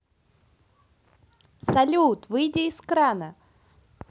салют выйди из крана